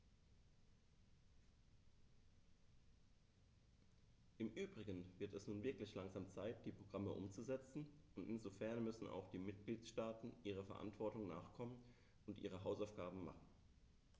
Im übrigen wird es nun wirklich langsam Zeit, die Programme umzusetzen, und insofern müssen auch die Mitgliedstaaten ihrer Verantwortung nachkommen und ihre Hausaufgaben machen.